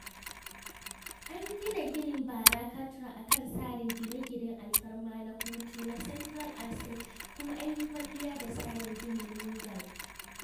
An gina ginin Bara Katra a kan tsarin gine-ginen alfarma na hutu na Central Asiya kuma an yi kwalliya da tsarin ginin Mughal.